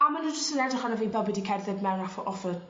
a ma' n'w jys yn edrych arno fi fel fi 'di cerdded mewn aff y off y